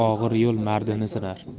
og'ir yo'l mardni sinar